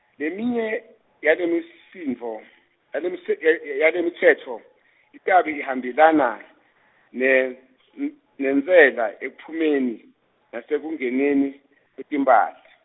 leminye yalemisindvo-, yalemitse- ya ya yalemitsetfo, itabe ihambelana, nen- nentsela ekuphumeni, nasekungeneni, kwetimphahla.